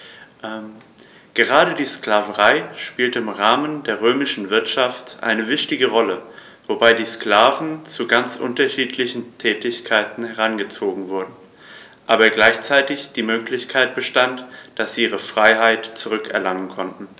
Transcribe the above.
Gerade die Sklaverei spielte im Rahmen der römischen Wirtschaft eine wichtige Rolle, wobei die Sklaven zu ganz unterschiedlichen Tätigkeiten herangezogen wurden, aber gleichzeitig die Möglichkeit bestand, dass sie ihre Freiheit zurück erlangen konnten.